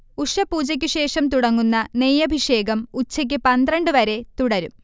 ഉഷഃപൂജക്കുശേഷം തുടങ്ങുന്ന നെയ്യഭിഷേകം ഉച്ച്ക്ക് പന്ത്രണ്ട് വരെ തുടരും